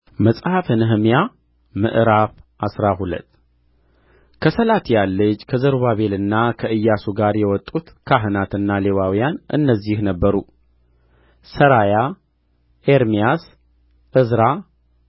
መጽሐፈ ነህምያ ምዕራፍ አስራ ሁለት ከሰላትያል ልጅ ከዘሩባቤልና ከኢያሱ ጋር የወጡት ካህናትና ሌዋውያን እነዚህ ነበሩ ሠራያ ኤርምያስ ዕዝራ